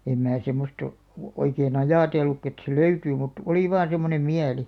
en minä semmoista -- oikein ajatellutkaan että se löytyy mutta oli vain semmoinen mieli